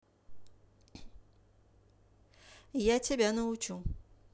я тебя научу